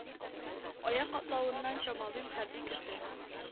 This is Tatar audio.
Аяк атлавыннан чамалыйм хәрби кеше